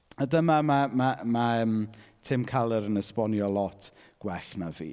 A dyma ma' ma' ma' yym Tim Keller yn esbonio lot gwell na fi.